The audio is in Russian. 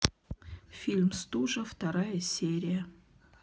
фильм стужа вторая серия